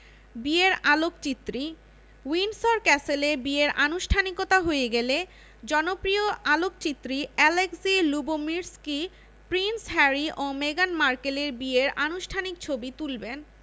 বিয়ের আলোকচিত্রী উইন্ডসর ক্যাসেলে বিয়ের আনুষ্ঠানিকতা হয়ে গেলে জনপ্রিয় আলোকচিত্রী অ্যালেক্সি লুবোমির্সকি প্রিন্স হ্যারি ও মেগান মার্কেলের বিয়ের আনুষ্ঠানিক ছবি তুলবেন